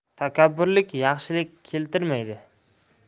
takabburlik yaxshilik keltirmaydi